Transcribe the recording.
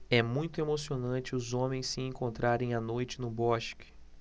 é muito emocionante os homens se encontrarem à noite no bosque